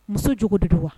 Muso jogo de don wa